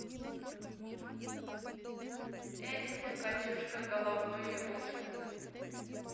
эдисон катюшка головное ушко